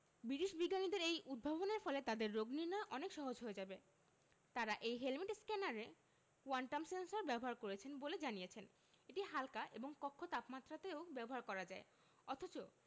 British বিজ্ঞানীদের এই উদ্ভাবনের ফলে তাদের রোগনির্নয় অনেক সহজ হয়ে যাবে তারা এই হেলমেট স্ক্যানারে কোয়ান্টাম সেন্সর ব্যবহার করেছেন বলে জানিয়েছেন এটি হাল্কা এবং কক্ষ তাপমাত্রাতেও ব্যবহার করা যায় অথচ